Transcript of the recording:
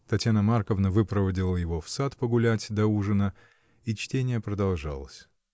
Татьяна Марковна выпроводила его в сад погулять до ужина — и чтение продолжалось.